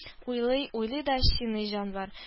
Уйлый, уйлый да чиный җанвар